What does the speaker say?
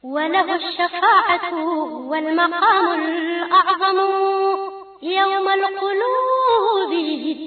Wabugu wa ɲa